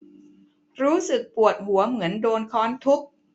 รู้สึกปวดหัวเหมือนโดนค้อนทุบ